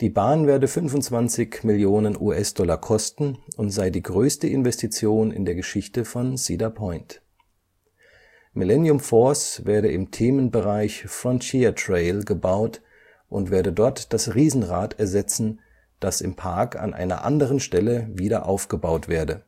Bahn werde 25 Millionen US-Dollar kosten und sei die größte Investition in der Geschichte von Cedar Point. Millennium Force werde im Themenbereich Frontier Trail gebaut und werde dort das Riesenrad ersetzen, das im Park an einer anderen Stelle wiederaufgebaut werde